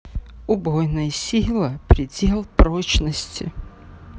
убойная сила предел прочности